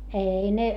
ei ne